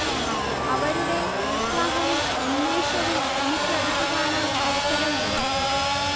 അവരുടെ ഉത്സാഹവും ഉന്മേഷവും എനിക്ക് അടുത്ത് കാണാൻ അവസരം ലഭിച്ചു